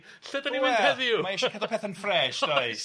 ...lle 'dan ni'n mynd heddiw? Wel, mae eisio cadw petha'n ffres does?